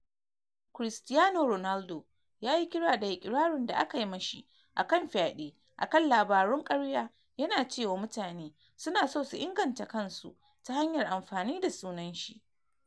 Cristiano Ronaldo yayi kira da ikirarin da aka mashi akan fyaɗe akan “labarun ƙarya”, yana cewa mutane “su na so su inganta kansu” ta hanyar amfani da sunan shi.